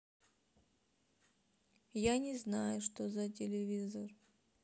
я не знаю что за телевизор